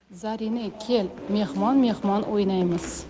zarine kel mehmon mehmon o'ynaymiz